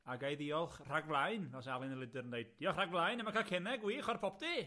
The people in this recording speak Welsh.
A gai ddiolch rhag flaen, fel sa Alun Elider yn deud, diolch rhag flaen am y cacennau gwych o'r popty!